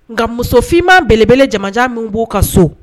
Nka musofin' belebele jamana minnu b'ou ka so